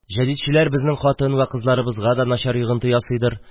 Җәдитчеләр безнең хатын вә кызларыбызга да начар йогынты ясыйдыр.